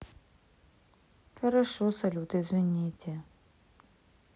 хорошо салют извините